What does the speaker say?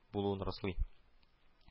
Булуын раслый